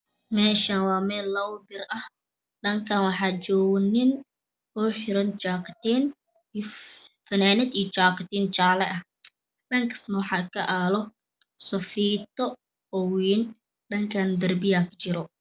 Meeshan waa meel laba bir ah dhankaan waxaa joogo nin oo xiran jaakatiin funaanad iyo jaakatiin jaala ah dhankaasna waxaa ka aalo safiito oo wayn dhankan darbiyaa ka jiro